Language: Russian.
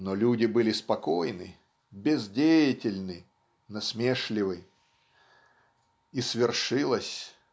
но люди были спокойны, бездеятельны, насмешливы. И свершилось.